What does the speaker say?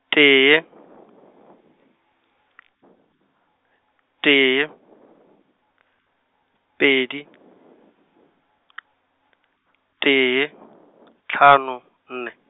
tee , tee , pedi , tee , hlano, nne.